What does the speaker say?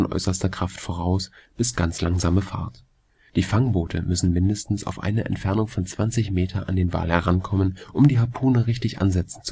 äußerster Kraft voraus bis ganz langsame Fahrt. Die Fangboote müssen mindestens auf eine Entfernung von 20 Meter an den Wal herankommen, um die Harpune richtig ansetzen